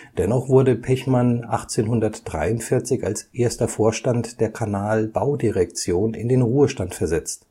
Dennoch wurde Pechmann 1843 als Erster Vorstand der Kanalbaudirektion in den Ruhestand versetzt